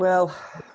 Wel